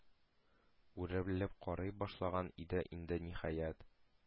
Үрелеп карый башлаган иде инде, ниһаять,